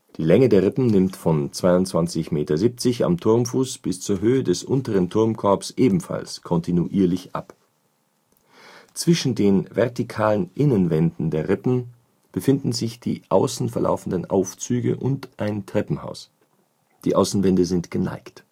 Die Länge der Rippen nimmt von 22,7 Meter am Turmfuß bis zur Höhe des unteren Turmkorbs ebenfalls kontinuierlich ab. Zwischen den vertikalen Innenwänden der Rippen befinden sich die außen verlaufenden Aufzüge und ein Treppenhaus; die Außenwände sind geneigt